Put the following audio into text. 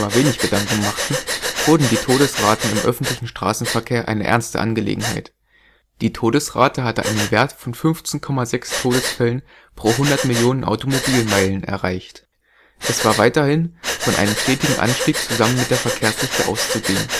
wenig Gedanken machten, wurden die Todesraten im öffentlichen Straßenverkehr eine ernste Angelegenheit. Die Todesrate hatte einen Wert von 15,6 Todesfällen pro 100 Millionen Automobilmeilen erreicht – es war weiterhin von einem stetigen Anstieg zusammen mit der Verkehrsdichte auszugehen